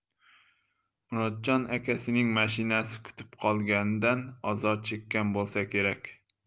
murodjon akasining mashinasi kutib qolganidan ozor chekkan bo'lsa kerak